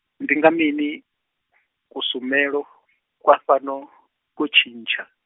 ndinga mini kushumele kwa fhano ko tshintsha.